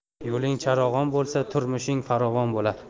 yo'ling charog'on bo'lsa turmushing farovon bo'lar